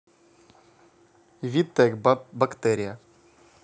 vitec бактерия